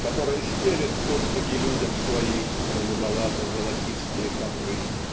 которое стелет под ноги людям свои "голубовато-золотистые ковры".